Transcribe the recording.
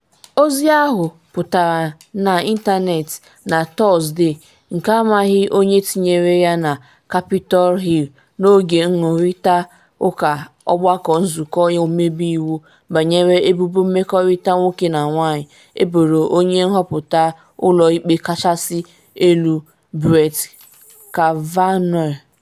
Ozi ahụ pụtara n’ịntanetị na Tọsde, nke amaghị onye tinyere ya na Capitol Hill n’oge nnụrịta ụka ọgbakọ Nzụkọ Ọmeiwu banyere ebubo mmekọrịta nwoke na nwanyị eboro onye nhọpụta Ụlọ Ikpe Kachasị Elu Brett Kavanaugh.